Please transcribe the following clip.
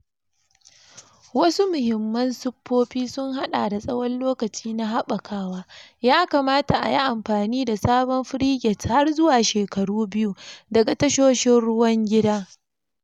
Wasu muhimman siffofi sun haɗa da tsawon lokaci na haɓakawa - ya kamata a yi amfani da sabon frigates har zuwa shekaru biyu daga tashoshin ruwan gida.